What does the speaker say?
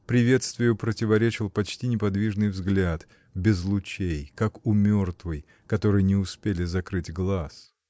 Приветствию противоречил почти неподвижный взгляд, без лучей, как у мертвой, которой не успели закрыть глаз.